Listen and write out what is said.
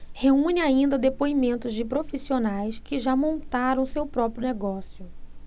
reúne ainda depoimentos de profissionais que já montaram seu próprio negócio